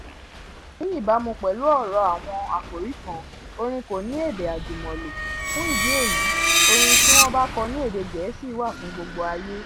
Ní ìbámu pẹ̀lú ọ̀rọ̀ àwọn àkòrí kan, orin kò ní èdè àjùmọ̀lò, fún ìdí èyí orin tí wọ́n bá kọ ní èdè Gẹ̀ẹ́sì wà fún gbogbo ayé.